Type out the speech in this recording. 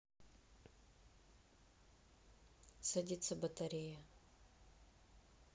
садится батарея